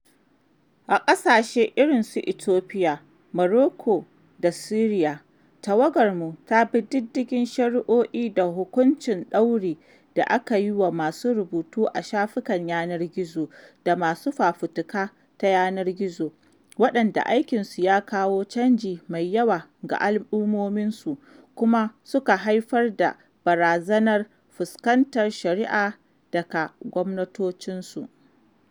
A ƙasashe irin su Itofiya, Moroko, da Siriya, tawagarmu ta bi diddigin shari’o’i da hukuncin ɗaurin da aka yiwa masu rubutu a shafukan yanar gizo da masu fafutuka ta yanar gizo, waɗanda aikinsu ya kawo canji mai yawa ga al’ummominsu kuma suka haifar da barazanar fuskantar shari'a daga gwamnatocinsu.